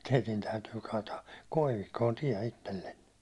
teidän täytyy kaataa koivikkoon tie itsellenne